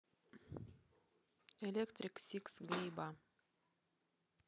electric six gay bar